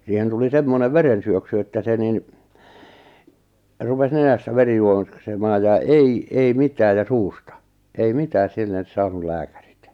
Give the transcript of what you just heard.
siihen tuli semmoinen verensyöksy että se niin rupesi nenästä veri juoksemaan ja ei ei mitään ja suusta ei mitään sille saanut lääkärit